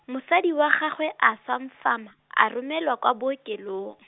mosadi wa gagwe a swa mfama, a romelwa kwa bookelong .